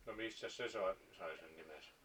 no mistäs se saa sai sen nimensä